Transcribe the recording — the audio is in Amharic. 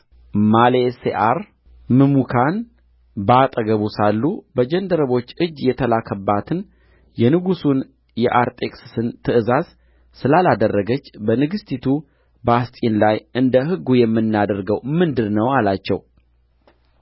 ማሌሴዓር ምሙካን በአጠገቡ ሳሉ በጃንደረቦች እጅ የተላከባትን የንጉሡን የአርጤክስስን ትእዛዝ ስላላደረገች በንግሥቲቱ በአስጢን ላይ እንደ ሕጉ የምናደርገው ምንድር ነው አላቸው